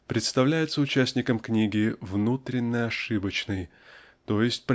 представляется участникам книги внутренно ошибочной, т. е.